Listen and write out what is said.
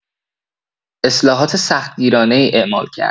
اصلاحات سخت گیرانه‌ای اعمال کرد.